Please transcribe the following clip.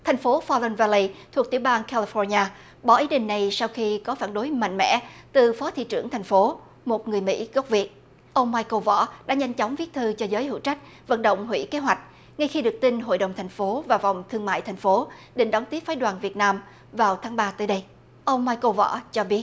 thành phố pho lân va lây thuộc tiểu bang ca li phóc ni a bỏ ý định này sau khi có phản đối mạnh mẽ từ phó thị trưởng thành phố một người mỹ gốc việt ông mai cồ võ đã nhanh chóng viết thư cho giới hịu trách vận động hủy kế hoạch ngay khi được tin hội đồng thành phố và vòng thương mại thành phố định đón tiếp phái đoàn việt nam vào tháng ba tới đây ông mai cồ võ cho biết